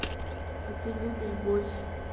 а ты любишь борщ